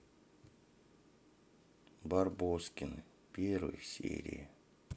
барбоскины первые серии